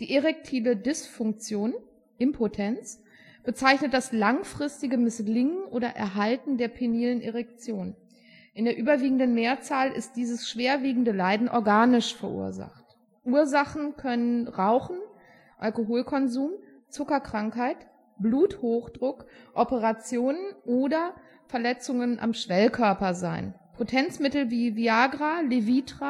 erektile Dysfunktion („ Impotenz “) bezeichnet das langfristige Misslingen oder Erhalten der penilen Erektion. In der überwiegenden Mehrzahl ist dieses schwerwiegende Leiden organisch verursacht. Ursachen können Rauchen, Alkoholkonsum, Zuckerkrankheit, Bluthochdruck, Operationen oder Verletzungen am Schwellkörper sein. Potenzmittel wie Viagra, Levitra